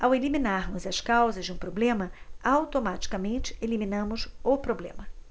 ao eliminarmos as causas de um problema automaticamente eliminamos o problema